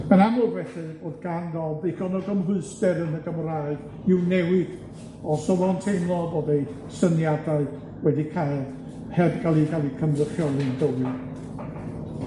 Yn amlwg felly, o'dd gan Dodd ddigon o gymhwyster yn y Gymraeg i'w newid os o'dd o'n teimlo fod ei syniadau wedi cael, heb ca'l 'u ca'l 'u cynrychioli'n gywir.